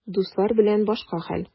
Дуслар белән башка хәл.